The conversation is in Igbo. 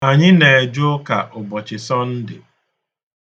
Anyị na-eje ụka ụbọchị Sọnde.